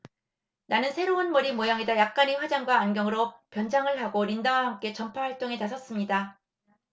나는 새로운 머리 모양에다 약간의 화장과 안경으로 변장을 하고 린다와 함께 전파 활동에 나섰습니다